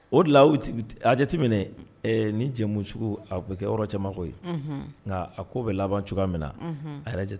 O a jate minɛ ni jɛmu a bɛ kɛ yɔrɔ cɛmanmako ye nka a k'o bɛ laban cogoya min na a yɛrɛ jate